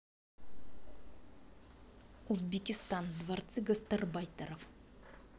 узбекистан дворцы гастарбайтеров